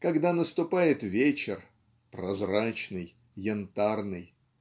когда наступает вечер "прозрачный янтарный"